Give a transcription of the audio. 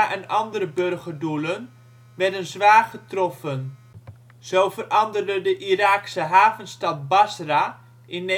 en andere burgerdoelen werden zwaar getroffen. Zo veranderde de Iraakse havenstad Basra in 1985